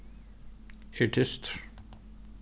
eg eri tystur